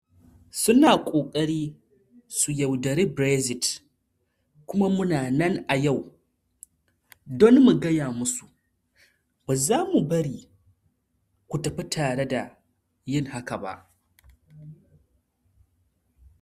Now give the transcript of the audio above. Suna ƙoƙari su yaudari Brexit kuma mu na nan a yau don mu gaya musu' ba za mu bari ku tafi tare da yin haka ba '.